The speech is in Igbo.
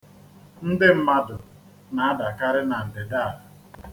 Ndị mmadụ na-adakarị na ndịda a.